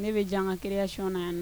Ne bɛ janka kireyay na yan